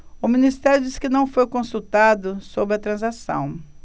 o ministério diz que não foi consultado sobre a transação